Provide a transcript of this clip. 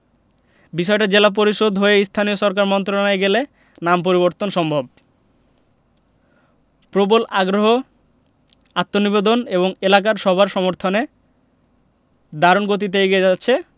বিষয়টা জেলা পরিষদ হয়ে স্থানীয় সরকার মন্ত্রণালয়ে গেলে নাম পরিবর্তন সম্ভব প্রবল আগ্রহ আত্মনিবেদন এবং এলাকার সবার সমর্থনে দারুণ গতিতে এগিয়ে যাচ্ছে